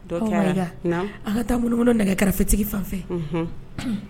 An ka taa nmunumunu nɛgɛkarafetigi fan fɛ, unhun,